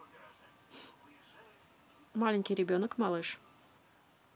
маленький ребенок малыш